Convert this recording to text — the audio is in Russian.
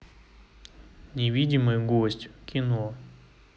невидимый гость кино